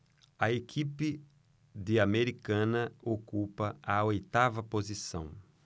a equipe de americana ocupa a oitava posição